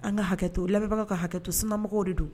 An ka hakɛto lamɛnbagaw ka hakɛto sunamɔgɔw de don